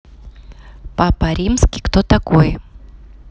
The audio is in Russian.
папа римский кто такой